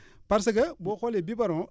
parce que boo xoolee biberon